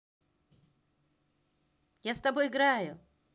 я с тобой играю